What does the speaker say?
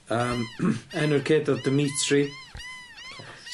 Yym enw'r kid o'dd Dimitri. Class.